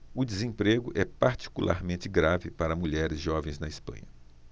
o desemprego é particularmente grave para mulheres jovens na espanha